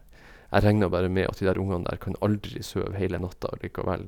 Jeg regner bare med at de der ungene der kan aldri søv heile natta allikevel.